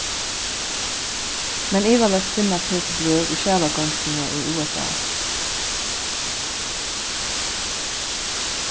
men ivaleyst finnast hesi brøv í skjalagoymsluni í usa